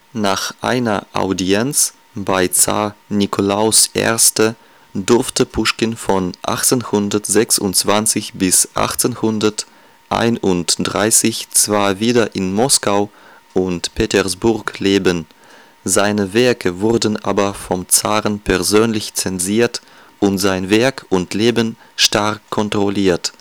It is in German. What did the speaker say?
Nach einer Audienz bei Zar Nikolaus I. durfte Puschkin von 1826 bis 1831 zwar wieder in Moskau und Petersburg leben, seine Werke wurden aber vom Zaren persönlich zensiert und sein Werk und Leben stark kontrolliert